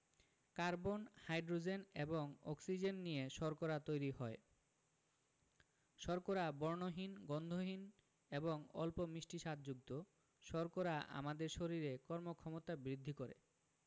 carbon hydrogen এবং oxygen নিয়ে শর্করা তৈরি হয় শর্করা বর্ণহীন গন্ধহীন এবং অল্প মিষ্টি স্বাদযুক্ত শর্করা আমাদের শরীরে কর্মক্ষমতা বৃদ্ধি করে